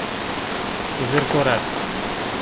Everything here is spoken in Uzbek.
uzr so'radi